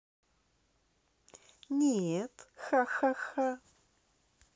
нет ха ха ха